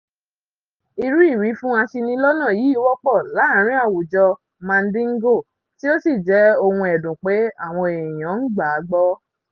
Irú ìwífún aṣinilọ́nà yìí wọ́pọ̀ láàárín àwùjọ Mandingo tí ó sì jẹ́ ohun ẹ̀dùn pé, àwọn èèyàn ń gbà á gbọ́.